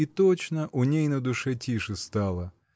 и точно: у ней на душе тише стало